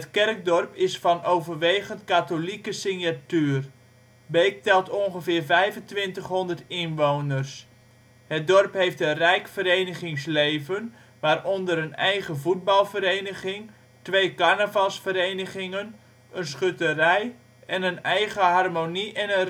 kerkdorp is van overwegend katholieke signatuur. Beek telt ongeveer 2500 inwoners. Het dorp heeft een rijk verenigingsleven, waaronder een eigen voetbalvereniging, twee carnavalsverenigingen, een schutterij en een eigen harmonie en